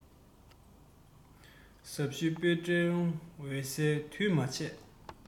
ཟབ ཞི སྤྲོས བྲལ འོད གསལ འདུས མ བྱས